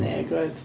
ia, go ahead.